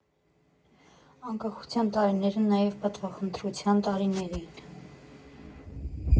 Անկախության տարիները նաև պատվախնդրության տարիներ էին։